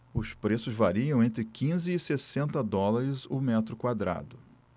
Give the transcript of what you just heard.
os preços variam entre quinze e sessenta dólares o metro quadrado